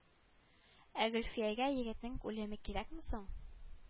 Ә гөлфиягә егетнең үлеме кирәкме соң